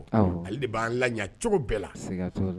Ale de b'an la ɲan cogo bɛɛ la, sika t'o la.